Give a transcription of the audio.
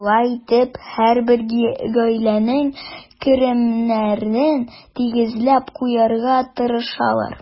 Шулай итеп, һәрбер гаиләнең керемнәрен тигезләп куярга тырышалар.